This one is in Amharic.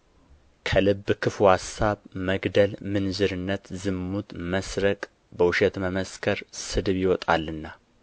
ከልብ ክፉ አሳብ መግደል ምንዝርነት ዝሙት መስረቅ በውሸት መመስከር ስድብ ይወጣልና